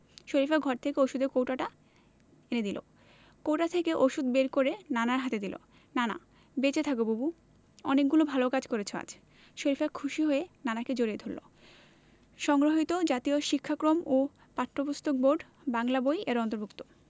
শরিফা ঘর থেকে ঔষধের কৌটোটা এনে দিল কৌটা থেকে ঔষধ বের করে নানার হাতে দিল নানা বেঁচে থাকো বুবু অনেকগুলো ভালো কাজ করেছ আজ শরিফা খুশি হয়ে নানাকে জড়িয়ে ধরল সংগৃহীত জাতীয় শিক্ষাক্রম ও পাঠ্যপুস্তক বোর্ড বাংলা বই এর অন্তর্ভুক্ত